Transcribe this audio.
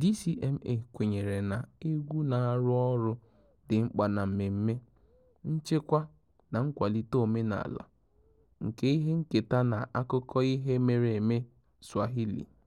DCMA kwenyere na egwu na-arụ ọrụ dị mkpa na mmemme, nchekwa na nkwalite omenaala nke ihe nketa na akụkọ ihe mere eme Swahili.